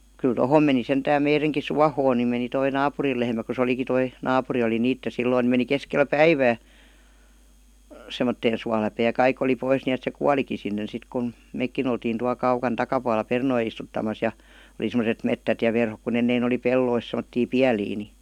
kyllä tuohon meni sentään meidänkin suohon niin meni tuo naapurin lehmä kun se olikin tuo naapuri oli niiden silloin niin meni keskellä päivää semmoiseen suoläpeen ja kaikki oli pois niin että se kuolikin sinne sitten kun mekin oltiin tuolla kaukana takapuolella perunoita istuttamassa ja oli semmoiset metsät ja verhot kun ennen oli pelloissa semmoisia pieliä niin